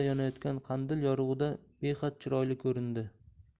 yonayotgan qandil yorug'ida behad chiroyli ko'rindi